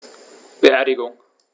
Beerdigung